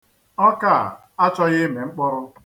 Ọka a achọghị imi mkpụrụ.